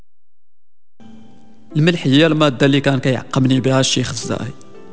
الملح الغير ماده اللي كان بها الشيخ زايد